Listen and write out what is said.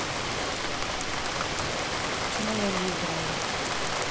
почему я не играю